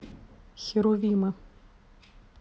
херувимы